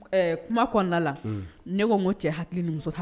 Ɛɛ kuma kɔnɔna la ne ko ma cɛ hakilimuso